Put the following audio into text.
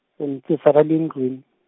ni tirhisa ra le ndlwini.